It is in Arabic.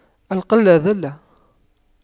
القلة ذلة